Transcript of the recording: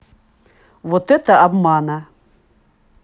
вот это обмана